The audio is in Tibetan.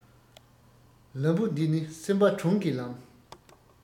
ལམ བུ འདི ནི སེམས པ དྲུང གི ལམ